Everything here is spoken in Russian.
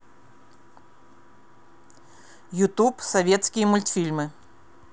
ютюб советские мультфильмы